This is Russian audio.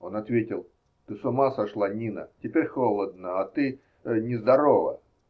Он ответил: "Ты с ума сошла, Нина. Теперь холодно, а ты. нездорова".